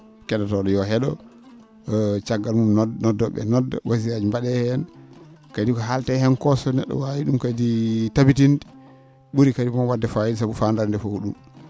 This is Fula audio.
ke?otoo?o yo o he?o caggal mum noddoo?e nodda wasiyaaji mba?ee heen kadi ko haaletee heen ko so ne??o waawi ?um tabitinde ?uri kadi moom wa?de faayida sabu faandaare ndee fof ko ?um